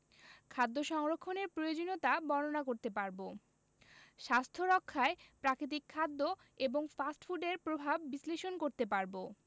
খাদ্য সংরক্ষণের প্রয়োজনীয়তা বর্ণনা করতে পারব স্বাস্থ্য রক্ষায় প্রাকৃতিক খাদ্য এবং ফাস্ট ফুডের প্রভাব বিশ্লেষণ করতে পারব